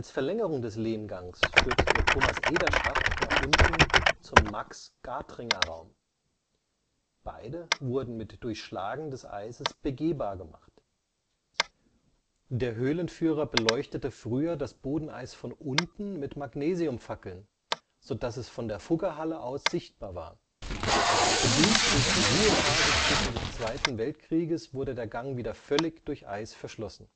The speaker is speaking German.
Verlängerung des Lehmgangs führt der Thomas-Eder-Schacht nach unten zum Max-Gadringer-Raum. Beide wurden mit Durchschlagen des Eises begehbar gemacht. Der Höhlenführer beleuchtete früher das Bodeneis von unten mit Magnesiumfackeln, so dass es von der Fuggerhalle aus sichtbar war. Bedingt durch die Ruhephase während des Zweiten Weltkriegs wurde der Gang wieder völlig durch Eis verschlossen